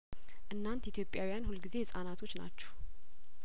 እናንት ኢትዮጵያዊያን ሁልጊዜ ህጻናቶች ናችሁ